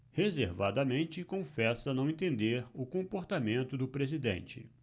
reservadamente confessa não entender o comportamento do presidente